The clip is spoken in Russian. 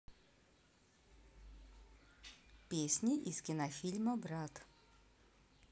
песни из кинофильма брат